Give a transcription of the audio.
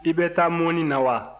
i bɛ taa mɔnni na wa